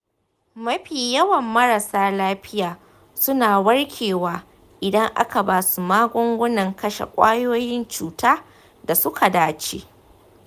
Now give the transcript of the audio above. mafi yawan marasa lafiya suna warkewa idan aka ba su magungunan kashe ƙwayoyin cuta da suka dace.